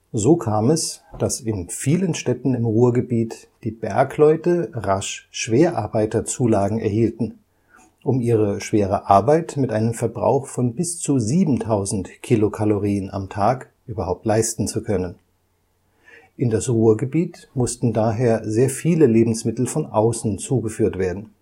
So kam es, dass in vielen Städten im Ruhrgebiet die Bergleute rasch Schwerarbeiterzulagen erhielten, um ihre schwere Arbeit mit einem Verbrauch von bis zu 7000 Kilokalorien am Tag überhaupt leisten zu können. In das Ruhrgebiet mussten daher sehr viele Lebensmittel von außen zugeführt werden